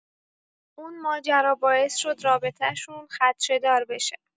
اون ماجرا باعث شد رابطه‌شون خدشه‌دار بشه.